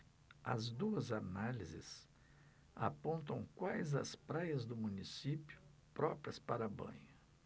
as duas análises apontam quais as praias do município próprias para banho